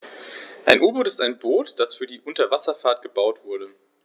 Ein U-Boot ist ein Boot, das für die Unterwasserfahrt gebaut wurde.